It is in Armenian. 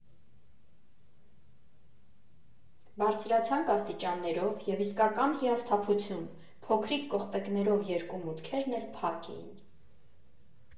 Բարձրացանք աստիճաններով և իսկական հիասթափություն՝ փոքրիկ կողպեքներով երկու մուտքերն էլ փակ էին։